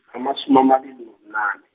amasumi amabili nobunane.